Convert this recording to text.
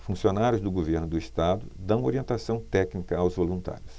funcionários do governo do estado dão orientação técnica aos voluntários